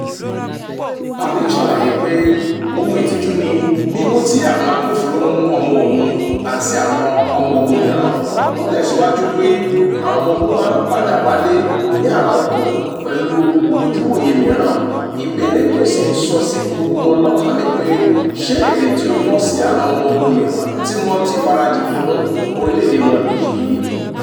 Palin ṣàlàyé pé ohun ìtìjú ni mímú tí àwọn agbófinró mú ọmọ òun àti àwọn ọmọ ogun mìíràn. Ó tẹ̀síwájú pé àwọn ọmọ ogun máa ń padà wálé ní àrà ọ̀tọ̀ pẹ̀lú ojúúwòye mìíràn, ìbéèrè tó sì ń sọ sí gbogbo wọn lọ́kàn ni pé ṣe èrè tí ó tọ́ sí àwọn ọmọ ogun tí wọ́n ti farajìn fún orílẹ̀èdè wọn nìyí."